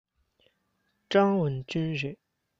ཀྲང ཝུན ཅུན རེད